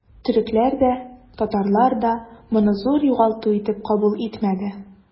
Төрекләр дә, татарлар да моны зур югалту итеп кабул итмәде.